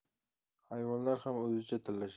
hayvonlar ham o'zicha tillashadi